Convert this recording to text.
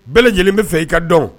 Bɛɛ lajɛlen bɛa fɛ i ka dɔn